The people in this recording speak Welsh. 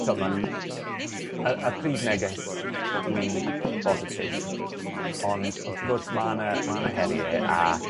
t'o ma'n y y prif neges yw un bositif ond wrth gwrs ma' 'na ma' 'na herie a